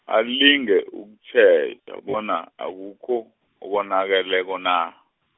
alinge ukutjheja bona, akukho, okonakeleko na.